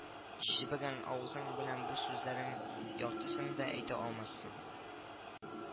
Җебегән авызың белән бу сүзләрең яртысын да әйтә алмассың